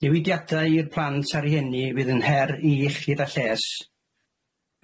newidiada i'r plant a'r rhieni fydd yn her i iechyd a lles.